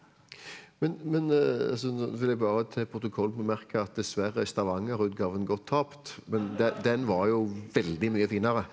men men altså nå vil jeg bare til protokollen bemerke at dessverre er stavangerutgaven gått tapt men det den var jo veldig mye finere.